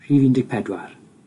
Rhif un deg pedwar.